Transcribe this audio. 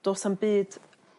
do's 'am byd